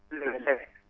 Lewe Lewe